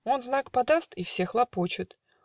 Он знак подаст - и все хлопочут